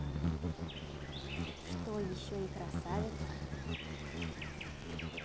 что еще и красавица